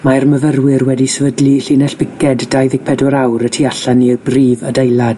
Mae'r myfyrwyr wedi'i sefydlu llinell biced dau ddeg pedwar awr y tu allan i'r brif adeilad